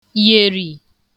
yèrì